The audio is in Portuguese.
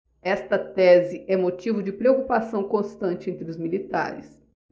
esta tese é motivo de preocupação constante entre os militares